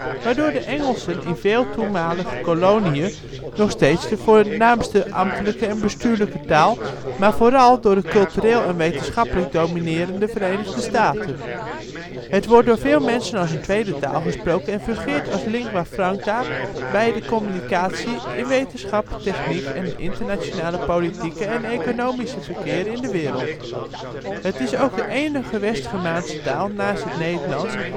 waardoor het Engels in veel voormalige koloniën nog steeds de voornaamste (ambtelijke en bestuurlijke) taal is maar vooral door de cultureel en wetenschappelijk dominerende Verenigde Staten. Het wordt door veel mensen als tweede taal gesproken en fungeert als lingua franca bij de communicatie in wetenschap, techniek en het internationale politieke en economische verkeer in de wereld. Het is ook de enige West-Germaanse taal, naast het Nederlands